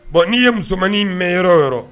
Bon n'i ye musomanmaninin mɛn yɔrɔ yɔrɔ